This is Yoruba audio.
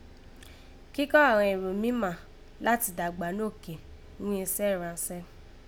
Kíkọ́ àghan èrò mímá láti dàgbà nókè ghún isẹ́ ìránṣẹ́